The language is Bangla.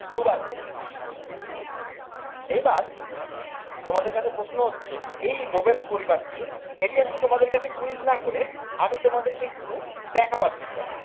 দুবার করে এইবার তোমাদের কাছে প্রশ্ন হচ্ছে এই নোবেল পরিবারটি এটি আসলে তোমাদের কাছে কুইজ না করে আমি তোমাদেরকে একটু দেখাবার চেষ্টা করি